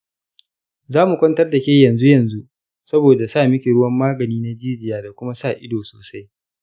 zamu kwantar dake yanzu yanzu saboda samiki ruwan magani na jijiya da kuma sa ido sosai.